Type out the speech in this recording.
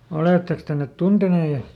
olettekos te ne tunteneet -